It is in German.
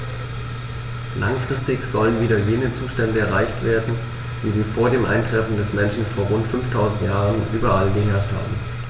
Langfristig sollen wieder jene Zustände erreicht werden, wie sie vor dem Eintreffen des Menschen vor rund 5000 Jahren überall geherrscht haben.